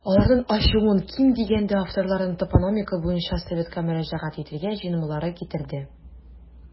Аларның ачуын, ким дигәндә, авторларның топонимика буенча советка мөрәҗәгать итәргә җыенмаулары китерде.